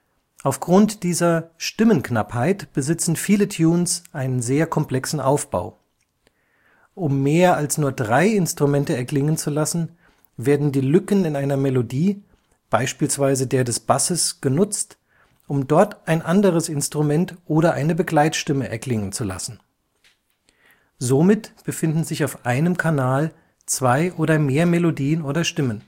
Aufgrund dieser „ Stimmenknappheit “besitzen viele Tunes einen sehr komplexen Aufbau. Um mehr als nur drei Instrumente erklingen zu lassen, werden die Lücken in einer Melodie, beispielsweise der des Basses, genutzt, um dort ein anderes Instrument oder eine Begleitstimme erklingen zu lassen. Somit befinden sich auf einem Kanal zwei oder mehr Melodien oder Stimmen